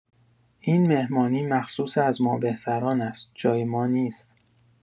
این مهمانی مخصوص از ما بهتران است، جای ما نیست!